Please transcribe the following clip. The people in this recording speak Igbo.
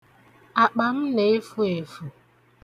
Akpa m na-efu efu.